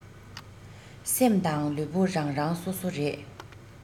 སེམས དང ལུས པོ རང རང སོ སོ རེད